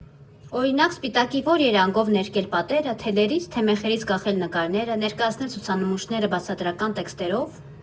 Օրինակ՝ սպիտակի ո՞ր երանգով ներկել պատերը, թելերի՞ց, թե՞ մեխերից կախել նկարները, ներկայացնել ցուցանմուշները բացատրական տեքստերո՞վ.